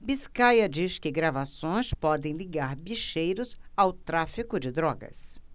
biscaia diz que gravações podem ligar bicheiros ao tráfico de drogas